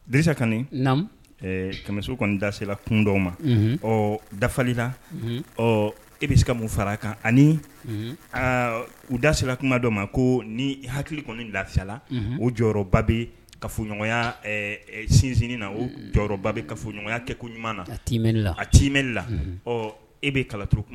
Disa ka kɛmɛso kɔni dasela kun dɔw ma ɔ dafalila ɔ e bɛ se ka mun fara a kan ani aa u dasela kuma dɔw ma ko ni hakili kɔni ni lafiyala o jɔyɔrɔba bɛ kaya sinsininin na o jɔyɔrɔba bɛ kafoɲɔgɔnya kɛ ko ɲuman na a tila a timɛla ɔ e bɛ kalauru kun